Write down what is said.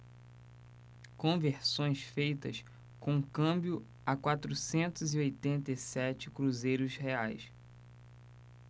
conversões feitas com câmbio a quatrocentos e oitenta e sete cruzeiros reais